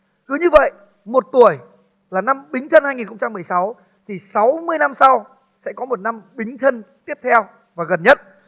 cứ như vậy một tuổi là năm bính thân hai nghìn không trăm mười sáu thì sáu mươi năm sau sẽ có một năm bính thân tiếp theo và gần nhất